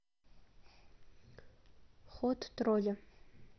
ход тролля